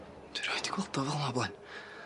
Dwi rioed di gweld o fel'na o blaen.